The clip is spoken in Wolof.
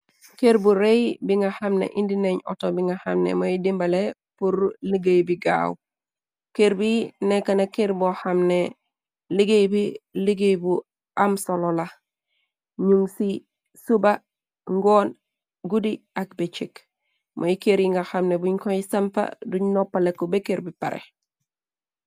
kër bu rëy bi nga hamne indineeñ outo bi nga hamne mooy dimbale pur liggéey bi gaaw. kër bi nekkna kër bo hamne liggéey bi liggéey bu am solo la, ñung ci suba, ngoon, gudi ak becchek. mooy kër yi nga jamne buñ koy sampa duñ noppaleku bekker bi pare.